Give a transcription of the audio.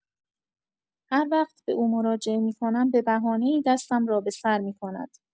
هر وقت به او مراجعه می‌کنم، به بهانه‌ای دستم را به سر می‌کند.